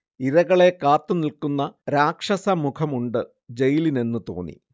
ഇരകളെ കാത്തുനിൽക്കുന്ന രാക്ഷസ മുഖമുണ്ട് ജയിലിനെന്ന് തോന്നി